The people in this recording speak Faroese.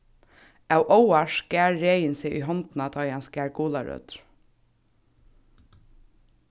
av óvart skar regin seg í hondina tá ið hann skar gularøtur